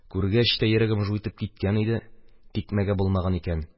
Күргәч тә йөрәгем жу итеп киткән иде, тикмәгә булмаган икән.